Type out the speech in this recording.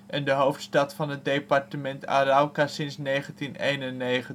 en de hoofdstad van het departement Arauca sinds 1991